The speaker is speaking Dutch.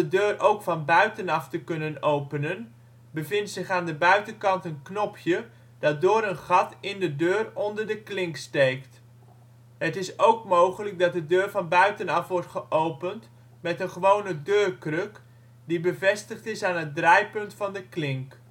deur ook van buitenaf te kunnen openen, bevindt zich aan de buitenkant een knopje dat door een gat in de deur onder de klink steekt. Het is ook mogelijk dat de deur van buitenaf wordt geopend met een gewone deurkruk, die bevestigd is aan het draaipunt van de klink